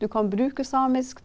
du kan bruke samisk.